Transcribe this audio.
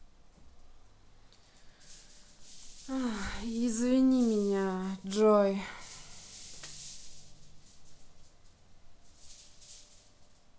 извини меня джой